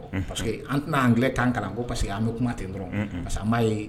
Parceseke an tɛna'an g tan kalan ko parce que an bɛ kunkan ten dɔrɔn parce que m' ye